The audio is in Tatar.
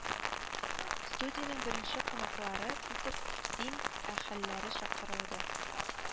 Студиянең беренче кунаклары итеп дин әһелләре чакырылды